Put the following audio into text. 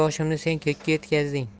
boshimni sen ko'kka yetkazding